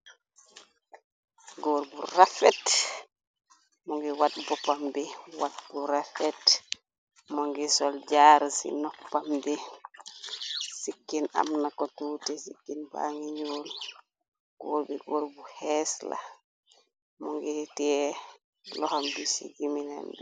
Góor bu rafet mo ngi wat boppam bi wat bu rafet mo ngi sol jaar ci noppam bi sikkin am na ko tuute sikkin bangi ñool góor bi góor bu xees la mo ngir teee loxam bi ci gimilel.